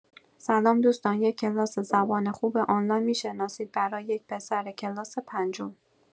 سلام دوستان یک کلاس زبان خوب آنلاین می‌شناسید برا یک پسر کلاس پنجم؟